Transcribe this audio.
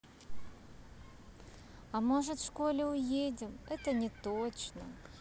а может в школе уедем это не точно